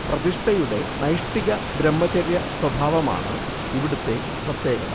പ്രതിഷ്ഠയുടെ നൈഷ്ഠിക ബ്രഹ്മചര്യ സ്വഭാവമാണ് ഇവിടുത്തെ പ്രത്യേകത